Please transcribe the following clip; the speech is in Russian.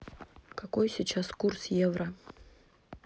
какой сейчас курс евро